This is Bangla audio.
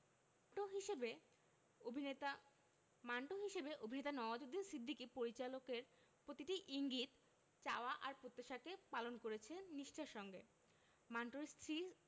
ট হিসেবে অভিনেতা মান্টো হিসেবে অভিনেতা নওয়াজুদ্দিন সিদ্দিকী পরিচালকের প্রতিটি ইঙ্গিত চাওয়া আর প্রত্যাশাকে পালন করেছেন নিষ্ঠার সঙ্গে মান্টোর স্ত্রী